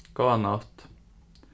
góða nátt